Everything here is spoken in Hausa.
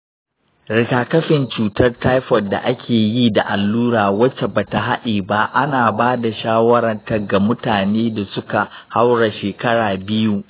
rigakafin cutar taifoid da ake yi da allura wacce ba ta haɗe ba ana ba da shawarar ta ga mutanen da suka haura shekara biyu.